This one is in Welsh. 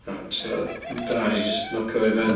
Iawn, so be wnawn ni, jyst nocio fo ar ei ben?